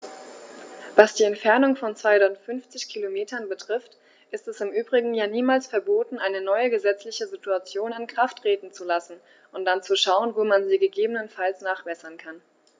Was die Entfernung von 250 Kilometern betrifft, ist es im Übrigen ja niemals verboten, eine neue gesetzliche Situation in Kraft treten zu lassen und dann zu schauen, wo man sie gegebenenfalls nachbessern kann.